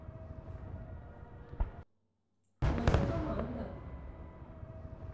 очень команда